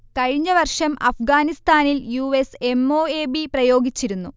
കഴിഞ്ഞ വർഷം അഫ്ഗാനിസ്ഥാനിൽ U. S. M. O. A. B. പ്രയോഗിച്ചിരുന്നു